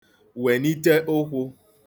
wènite ụkwụ̄ [Fig.]